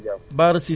alloo oui